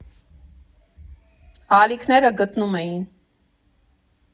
Ալիքները գտնում էին։